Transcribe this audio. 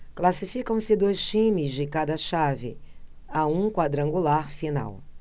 classificam-se dois times de cada chave a um quadrangular final